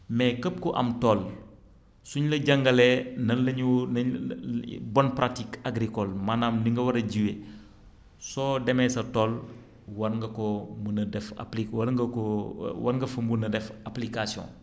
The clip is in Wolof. mais képp ku am tool suñ la jàngalee nan la ñu bonne pratique agricole maanaam lmi nga war a jiwee soo demee sa tool war nga koo mën a def appliqué war nga koo war nga fa mën a def application